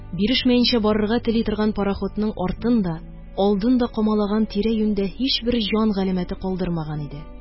Бирешмәенчә барырга тели торган парахутның артын да, алдын да камалаган тирә-юньдә һичбер җан галәмәте калдырмаган иде.